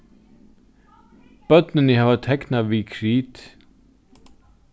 børnini hava teknað við krit